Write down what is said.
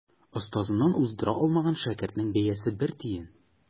Остазыннан уздыра алмаган шәкертнең бәясе бер тиен.